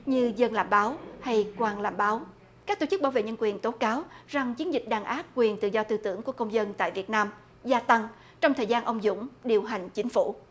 như dân làm báo hay quan làm báo các tổ chức bảo vệ nhân quyền tố cáo rằng chiến dịch đàn áp quyền tự do tư tưởng của công dân tại việt nam gia tăng trong thời gian ông dũng điều hành chính phủ